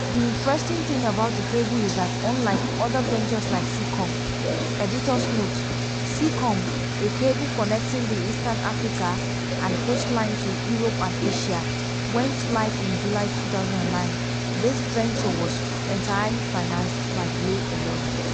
The interesting thing about the cable is that unlike other ventures like Seacom [Editor's Note: Seacom, a cable connecting the eastern African coastline to Europe and Asia, went live in July 2009], this venture was entirely financed by Glo alone.